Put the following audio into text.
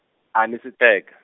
ani si teka.